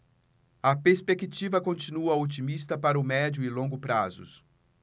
a perspectiva continua otimista para o médio e longo prazos